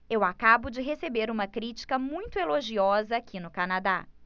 eu acabo de receber uma crítica muito elogiosa aqui no canadá